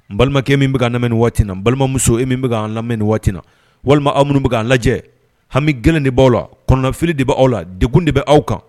N balimakɛ min bɛ ka lamɛn ni waati in na n balimamuso min bɛ ka lamɛn ni waati in na walima aw minnu bɛ k'an lajɛ, hami gɛlɛn de b'aw la kɔnɔnafili de b' aw la dekun de b' aw kan